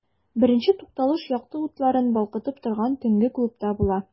Беренче тукталыш якты утларын балкытып торган төнге клубта була.